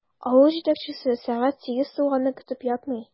Авыл җитәкчесе сәгать сигез тулганны көтеп ятмый.